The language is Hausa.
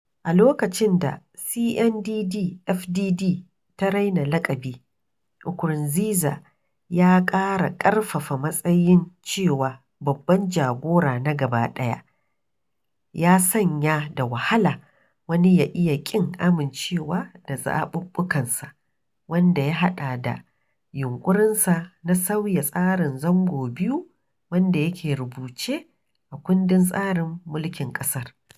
A lokacin da CNDD-FDD ta raina laƙabi, Nkurunziza ya ƙara ƙarfafa matsayin cewa "babban jagora na gabaɗaya" ya sanya da wahala wani ya iya ƙin amincewa da zaɓuɓɓukansa, wanda ya haɗa da yunƙurinsa na sauya tsarin zango biyu wanda yake rubuce a kundin tsarin mulkin ƙasar.